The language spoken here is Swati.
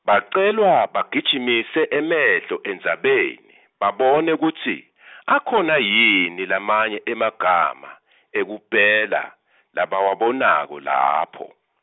Bacelwa bagijimise emehlo endzabeni babone kutsi , akhona yini lamanye emagama, ekupela labawabonako lapho.